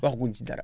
waxaguñu si dara